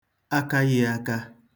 akaghị̄ ākā